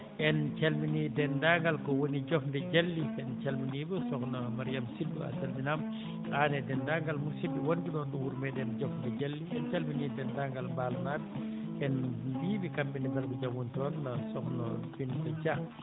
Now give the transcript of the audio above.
en calminii denndaangal ko woni diofde Dialli en calminii ɓe sokhna Mariame Sy a salminaama aan e dennd&angal musidɓe wonɓe ɗon ɗo wuro meɗen Difde Dialli en calminii denndaangal Mbal naɓe en mbiyii ɓe kamɓe ne mbar ko jam woni toon sokhna * Dia